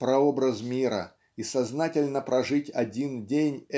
прообраз мира, и сознательно прожить один день